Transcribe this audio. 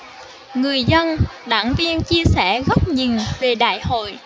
người dân đảng viên chia sẻ góc nhìn về đại hội